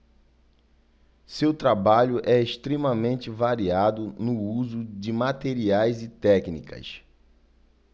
seu trabalho é extremamente variado no uso de materiais e técnicas